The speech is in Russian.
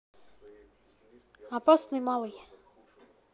опасный малый